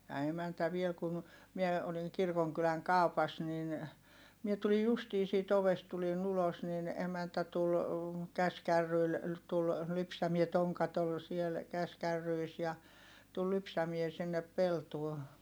ja emäntä vielä kun minä olin kirkonkylän kaupassa niin minä tulin justiin siitä ovesta tulin ulos niin emäntä tuli käsikärryillä tuli lypsämään tonkat oli siellä käsikärryissä ja tuli lypsämään sinne peltoon